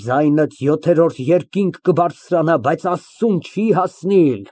Ձայնդ յոթերորդ երկինք կբարձրանա, բայց Աստծուն չի հասնիլ։